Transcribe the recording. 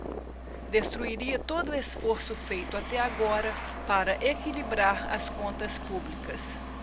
destruiria todo esforço feito até agora para equilibrar as contas públicas